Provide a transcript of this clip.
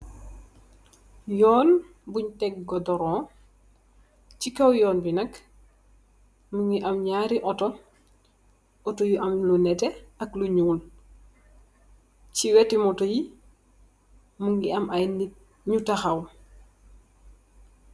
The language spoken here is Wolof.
Yoon buñg tek goddoroñg. Ci kow yoon bi nak, mu ngi am ñarri otto. Otto yu am lu nétté, ak lu ñuul. Ci wetti Otto i, mu ngi ay nit yu taxaw